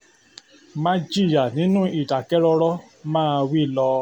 Má jìyà nínú Ìdáké̩ró̩ró̩ — máa wí lọ